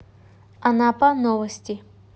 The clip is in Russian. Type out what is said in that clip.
анапа новости